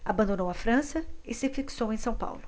abandonou a frança e se fixou em são paulo